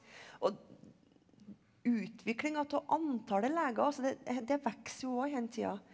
og utviklinga av antallet leger altså det det vokser jo òg denne tida.